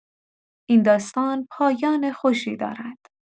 این داستان پایان خوشی دارد.